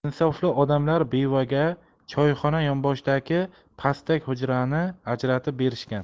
insofli odamlar bevaga choyxona yonboshidagi pastak hujrani ajratib berishgan